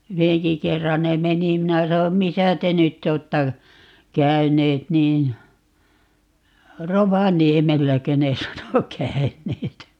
yhdenkin kerran ne meni minä sanoin missä te nyt olette käyneet niin Rovaniemelläkö ne sanoi käyneet